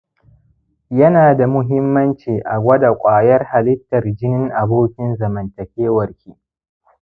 yanada muhimmanci a gwada ƙwayar halittar jinin abokin zamantakewar ki